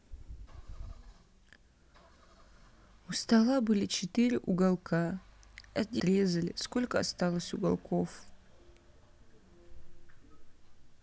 у стола было четыре уголка один отрезали сколько осталось уголков